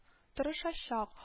Тырышачак